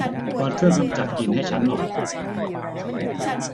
เปิดเครื่องกำจัดกลิ่นให้ฉันหน่อย